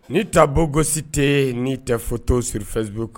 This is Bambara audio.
Ni ta beaugossité ni tes photos sur facebook